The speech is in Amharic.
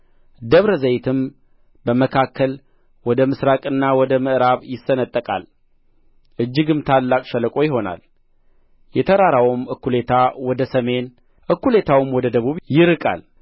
ደብረ ዘይትም በመካከል ወደ ምሥራቅና ወደ ምዕራብ ይሰነጠቃል እጅግም ታላቅ ሸለቆ ይሆናል የተራራውም እኵሌታ ወደ ሰሜን እኵሌታውም ወደ ደቡብ ይርቃል